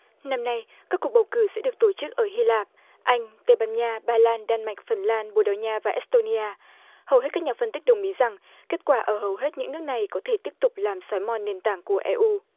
năm nay các cuộc bầu cử sẽ được tổ chức ở hy lạp anh tây ban nha ba lan đan mạch phần lan bồ đào nha và ét tôn ni a hầu hết các nhà phân tích đồng ý rằng kết quả ở hầu hết những nước này có thể tiếp tục làm xói mòn nền tảng của e u